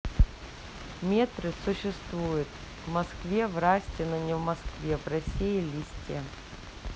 метры существует в москве в расте но не в москве в россии листе